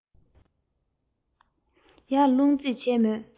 ཡར སློང རྩིས བྱས མོད